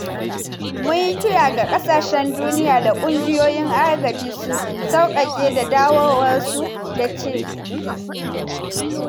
“Mun yi kira ga kasashen duniya da kungiyoyin agaji su sauƙaƙe da dawowar su,” ya ce.